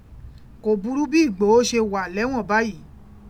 Kò burú bí Ìgbòho ṣe wà lẹ́wọ̀n báyìí.